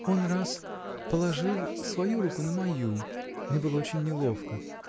он раз положил свою руку на мою: мне было очень неловко.